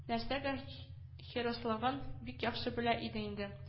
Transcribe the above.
Нәрсәгә хирыслыгын бик яхшы белә иде инде